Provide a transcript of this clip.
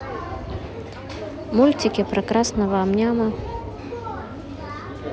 мультики про красного амняма